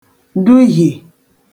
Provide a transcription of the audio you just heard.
duhiè